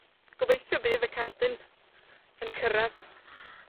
Gobeithio y bydd y cardyn yn cyrradd.